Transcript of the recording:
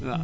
waaw